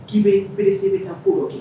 'i bɛ bere bɛ ka kolonlɔ kɛ